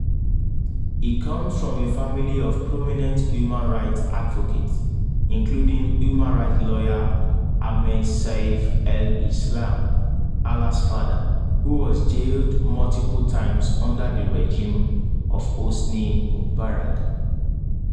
He comes from a family of prominent human rights advocates, including human rights lawyer Ahmed Seif El Islam, Alaa's father, who was jailed multiple times under the regime of Hosni Mubarak.